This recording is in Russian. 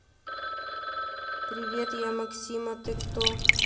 привет я максима ты кто